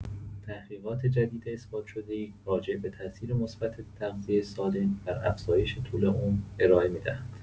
تحقیقات جدید اثبات‌شده‌ای راجع‌به تاثیر مثبت تغذیه سالم بر افزایش طول عمر ارائه می‌دهند.